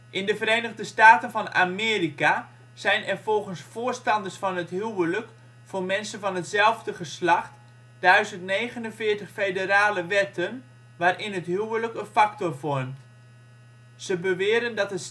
In de Verenigde Staten van Amerika zijn er volgens voorstanders van het huwelijk voor mensen van hetzelfde geslacht 1049 federale wetten waarin het huwelijk een factor vormt. Ze beweren dat het stelselmatig